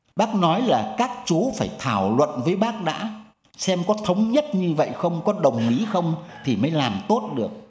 bác nói là các chú phải thảo luận với bác đã xem có thống nhất như vậy không có đồng ý không thì mới làm tốt được